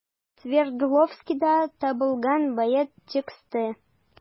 Свердловскида табылган бәет тексты.